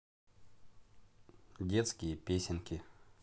детские песенки